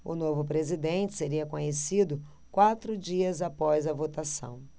o novo presidente seria conhecido quatro dias após a votação